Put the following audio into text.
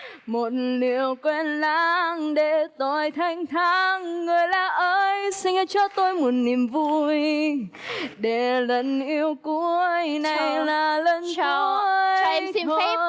một điều quên lãng để tôi thênh thang người lạ ơi xin cho tôi mượn niềm vui để lần yêu cuối này là lần cuối thôi